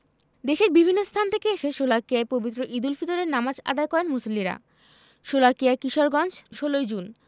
দেশের বিভিন্ন স্থান থেকে এসে শোলাকিয়ায় পবিত্র ঈদুল ফিতরের নামাজ আদায় করেন মুসল্লিরা শোলাকিয়া কিশোরগঞ্জ ১৬ জুন